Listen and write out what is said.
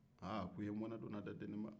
aa a k'i ye mɔnɛ don n na dɛ deniba